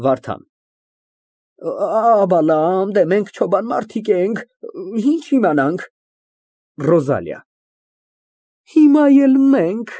ՌՈԶԱԼԻԱ ֊ (Հանում է վերարկուն, ձգում բազկաթոռներից մեկի վրա, նորից մոտենում է հայելուն և մազերն ուղղում։)